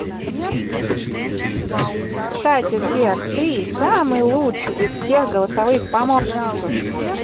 кстати сбер ты самый лучший из всех голосовых помощников